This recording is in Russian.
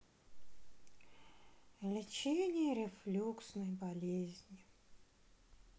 лечение рефлюксной болезни